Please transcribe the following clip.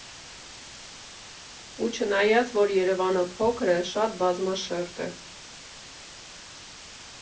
Ու չնայած, որ Երևանը փոքր է՝ շատ բազմաշերտ է։